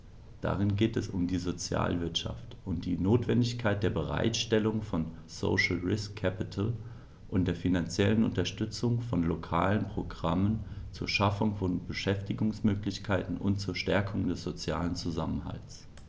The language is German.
Darin geht es um die Sozialwirtschaft und die Notwendigkeit der Bereitstellung von "social risk capital" und der finanziellen Unterstützung von lokalen Programmen zur Schaffung von Beschäftigungsmöglichkeiten und zur Stärkung des sozialen Zusammenhalts.